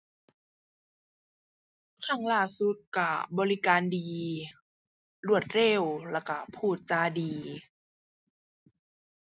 ครั้งล่าสุดก็บริการดี รวดเร็ว แล้วก็พูดจาดี